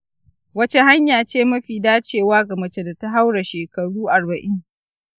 wace hanya ce mafi dacewa ga mace da ta haura shekaru arba’in?